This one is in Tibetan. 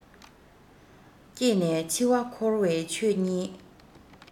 སྐྱེས ནས འཆི བ འཁོར བའི ཆོས ཉིད